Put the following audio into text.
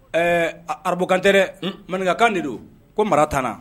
Ɛɛ arabukan tɛ dɛ, maninkakan de don, ko mara t'an na